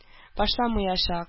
Пашламаячак